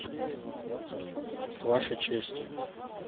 ваша честь